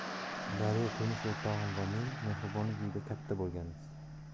daryo turmush o'rtog'im va men mehribonlik uyida katta bo'lganmiz